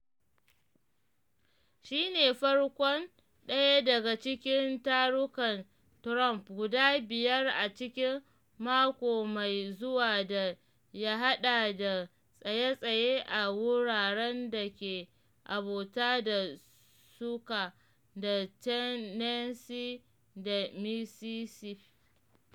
“Shi ne farkon daya daga cikin tarukan Trump guda biyar a cikin mako mai zuwa da ya hada da tsaye-tsaye a wuraren da ke abota da suka da Tennessee da Mississippi.